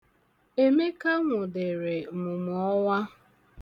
Emeka nwudere mmụmụọwa.